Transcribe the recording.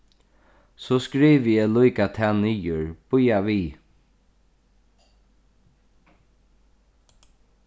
so skrivi eg líka tað niður bíða við